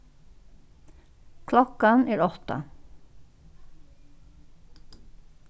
klokkan er átta